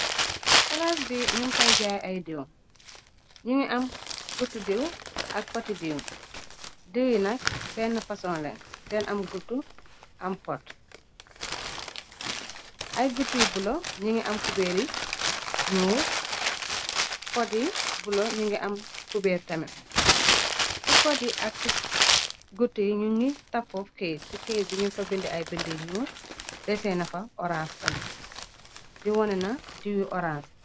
palaas bi ñu pay jaay ay diiw, ñu ngi am guutu diiw ak poti diiw yi nakk been fasonleen den am guto am pot ayi guto yu bule nigi am qbirr yu nuul pot yi bule ñu am qbirr tarmit ci pot yi ak ci keyet ni fah bindi ayi bind ñuul desee nafa orange tame di wone na diwyu orans.